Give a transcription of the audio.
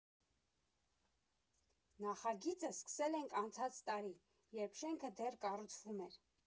Նախագիծը սկսել ենք անցած տարի, երբ շենքը դեռ կառուցվում էր։